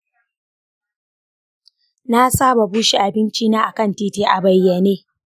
na saba bushe abincina a kan titi a bayyane.